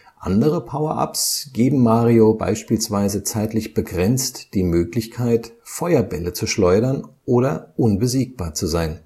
Andere Power-ups geben Mario beispielsweise zeitlich begrenzt die Möglichkeit, Feuerbälle zu schleudern oder unbesiegbar zu sein